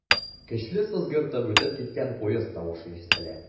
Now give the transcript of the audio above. Көчле сызгыртып үтеп киткән поезд тавышы ишетелә.